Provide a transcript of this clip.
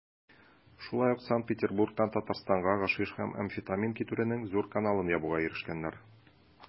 Шулай ук Санкт-Петербургтан Татарстанга гашиш һәм амфетамин китерүнең зур каналын ябуга ирешкәннәр.